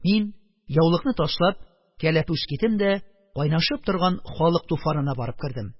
Мин, яулыкны ташлап, кәләпүш кидем дә кайнашып торган халык туфанына барып кердем.